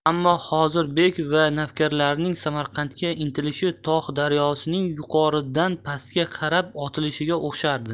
ammo hozir bek va navkarlarning samarqandga intilishi tog' daryosining yuqoridan pastga qarab otilishiga o'xshardi